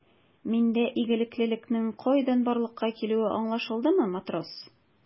Миндә игелеклелекнең кайдан барлыкка килүе аңлашылдымы, матрос?